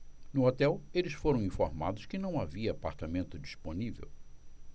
no hotel eles foram informados que não havia apartamento disponível